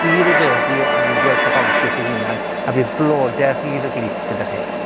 di-rifedi o amgylch y boncyff ei hunan, a bydd blode rhydd y glust gyda chi.